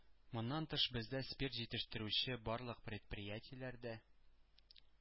Моннан тыш, бездә спирт җитештерүче барлык предприятиеләр дә